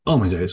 Oh my days.